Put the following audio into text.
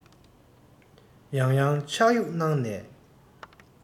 ཡང ཡང ཕྱག གཡུགས གནང ནས